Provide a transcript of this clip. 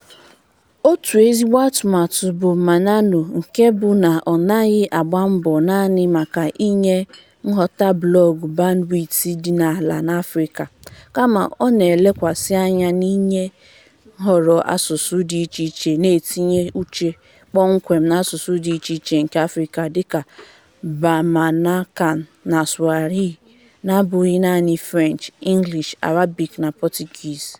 Otu ezigbo atụmatụ bụ Maneno, nke bụ na ọ naghị agba mbọ naanị maka inye ngwọta blọọgụ bandwit dị ala n'Afrịka, kama ọ na-elekwasị anya n'inye nhọrọ asụsụ dị icheiche na-etinye uche kpọmkwem n'asụsụ dị icheiche nke Afrịka dịka Bamanankan na Swahili, n'abụghị naanị French, English, Arabic na Portuguese.